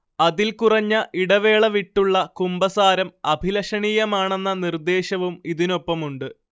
അതിൽ കുറഞ്ഞ ഇടവേളവിട്ടുള്ള കുമ്പസാരം അഭിലഷണീയമാണെന്ന നിർദ്ദേശവും ഇതിനൊപ്പമുണ്ട്